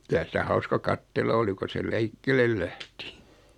kyllä sitä hauska katsella oli kun se liikkeelle lähti